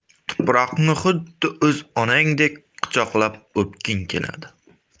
tuproqni xuddi o'z onangdek quchoqlab o'pging keladi